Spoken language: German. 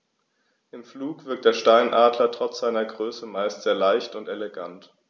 Im Flug wirkt der Steinadler trotz seiner Größe meist sehr leicht und elegant.